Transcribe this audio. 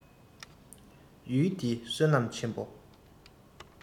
ཡུལ འདི བསོད ནམས ཆེན པོ